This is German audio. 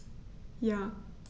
Ja.